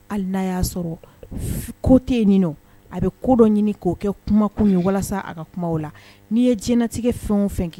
Hali naa y'a sɔrɔ ko tɛ yen a bɛ kodɔn ɲini k'o kɛ kuma kun ye walasa a ka kuma o la n'i ye jtigɛ fɛn o fɛn kɛ